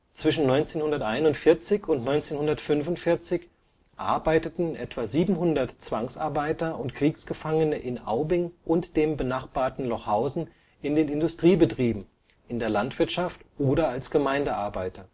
Zwischen 1941 und 1945 arbeiteten etwa 700 Zwangsarbeiter und Kriegsgefangene in Aubing und dem benachbarten Lochhausen in den Industriebetrieben, in der Landwirtschaft oder als Gemeindearbeiter